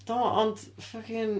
Do ond ffycin...